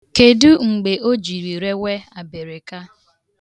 Kedu mgbe o jiri rewe abịrịka?